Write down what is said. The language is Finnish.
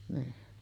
niin